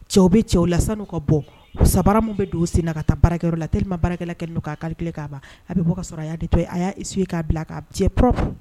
Cɛw bɛ cɛw la san'u ka bɔ samara min bɛ don u sen na ka taa baarakɛyɔrɔ la tellement baarakɛla kɛlen do k'a calculé ka ban a bɛ bɔ ka sɔrɔ a y'a nettoyé a y'a essuyé k'a bila k'a jɛ propre .